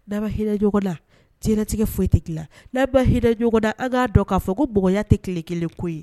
N'an ma hinɛ ɲɔgɔn na diɲɛnatigɛ foyi te dilan n'an ma hinɛ ɲɔgɔn na an ŋ'a dɔn k'a fɔ ko mɔgɔya te tile 1 ko ye